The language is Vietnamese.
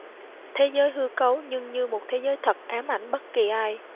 thế giới hư cấu nhưng như một thế giới thật ám ảnh bất kỳ ai